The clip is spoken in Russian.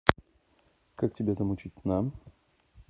как тебя замучить на